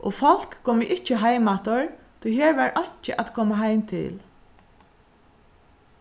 og fólk komu ikki heim aftur tí her var einki at koma heim til